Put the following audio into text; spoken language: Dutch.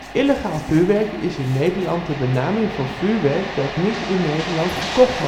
Illegaal vuurwerk is vuurwerk dat niet in Nederland verkocht